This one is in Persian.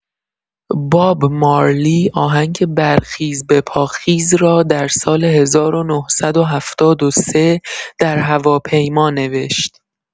باب مارلی آهنگ برخیز به پاخیز را در سال ۱۹۷۳ در هواپیما نوشت.